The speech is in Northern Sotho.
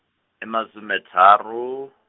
e masometharo.